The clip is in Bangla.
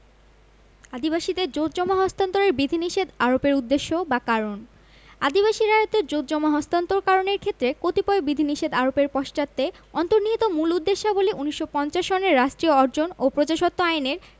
আদিবাসীদের জোতজমা হস্তান্তরে বিধিনিষেধ আরোপের উদ্দেশ্য বা কারণ আদিবাসী রায়তদের জোতজমা হস্তান্তর করণের ক্ষেত্রে কতিপয় বিধিনিষেধ আরোপের পশ্চাতে অন্তর্নিহিত মূল উদ্দেশ্যাবলী ১৯৫০ সনের রাষ্ট্রীয় অর্জন ও প্রজাস্বত্ব আইনে